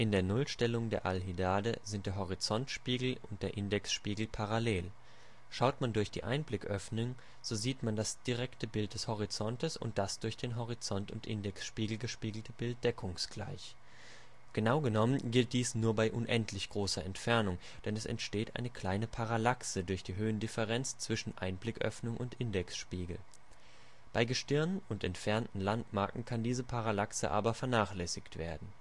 der Nullstellung der Alhidade sind der Horizontspiegel und der Indexspiegel parallel. Schaut man durch die Einblicköffnung, so sieht man das direkte Bild des Horizontes und das durch den Horizont - und Indexspiegel gespiegelte Bild deckungsgleich. Genaugenommen gilt dies nur bei unendlich großer Entfernung, denn es entsteht eine kleine Parallaxe durch die Höhendifferenz zwischen Einblicköffnung und Indexspiegel. Bei Gestirnen und entfernten Landmarken kann diese Parallaxe aber vernachlässigt werden